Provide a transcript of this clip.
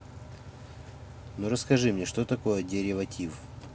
ну расскажи мне что такое дериватив